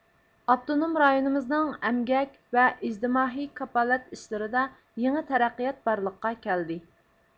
ئاپتونوم رايونىمىزنىڭ ئەمگەك ۋە ئىجتىمائىي كاپالەت ئىشلىرىدا يېڭى تەرەققىيات بارلىققا كەلدى